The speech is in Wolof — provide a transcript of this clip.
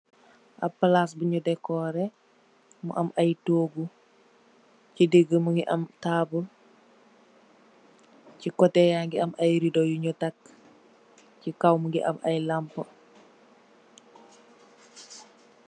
Ab palaas bunyi decoore, mu am aye toogu, chi digh mungi am taabul, chi kote yaangi am aye rido yu nyu tak, chi kaw mungi am aye lampu.